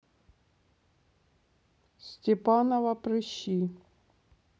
степанова прыщи